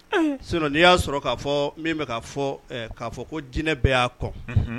'i y'a sɔrɔ k'a fɔ'a fɔ ko jinɛinɛ bɛ y'a kɔ